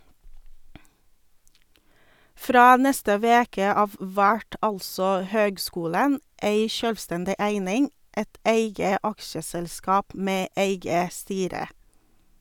Frå neste veke av vert altså høgskulen ei sjølvstendig eining, eit eige aksjeselskap med eige styre.